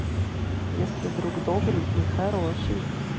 если друг добрый и хороший